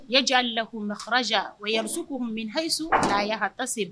Yaja lakmaraja wa yarisiw ko bɛn hayisu k'a ya hata se